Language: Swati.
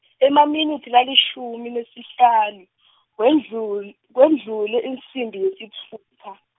emaminitsi lalishumi nesihlanu, kewndlul- kwendlule insimbi yesitfupha.